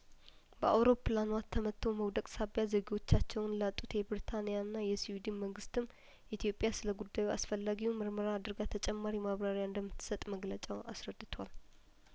በአውሮፕላኗ ተመትቶ መውደቅ ሳቢያ ዜጐቻቸውን ላጡት የብሪታኒያና የስዊድን መንግስትም ኢትዮጵያ ስለጉዳዩ አስፈላጊውን ምርመራ አድርጋ ተጨማሪ ማብራሪያ እንደምት ሰጥ መግለጫው አስረድቷል